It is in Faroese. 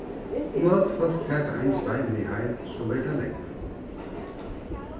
um øll fólk taka ein stein við heim so verður tað nógv